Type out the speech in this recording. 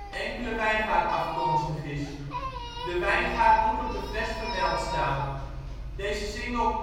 enkele wijngaard afkomstig is. De wijngaard moet op de fles vermeld staan. Deze Single